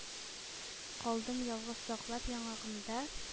Калдым ялгыз, саклап яңагымда